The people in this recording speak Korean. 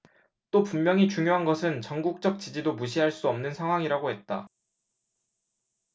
또 분명히 중요한 것은 전국적 지지도 무시할 수 없는 상황이라고 했다